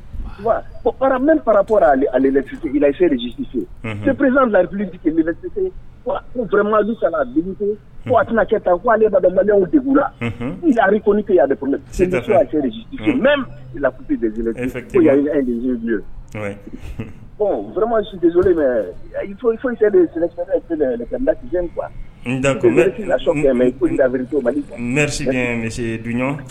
Farasisepfisisese a tɛna kɛ taa alerizsi de i